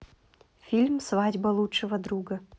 фильм свадьба лучшего друга